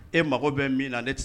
E mago bɛ min na ne tɛ